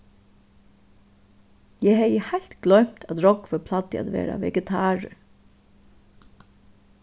eg hevði heilt gloymt at rógvi plagdi at vera vegetarur